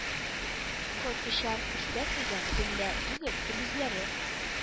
Кот очар, күрсәң әгәр, төнлә түгел — көндезләре.